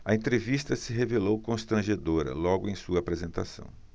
a entrevista se revelou constrangedora logo em sua apresentação